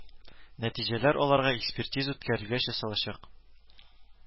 Нәтиҗәләр аларга экспертиза үткәрелгәч ясалачак